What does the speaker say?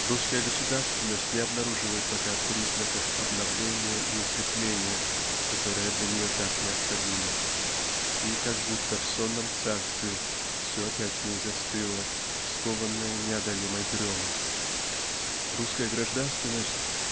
Русская государственность не обнаруживает пока признаков обновления и укрепления которые для нее так необходимы и как будто в сонном царстве все опять в ней застыло скованное неодолимой дремой. Русская гражданственность